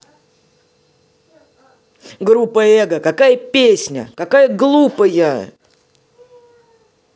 группа эго какая песня какая глупая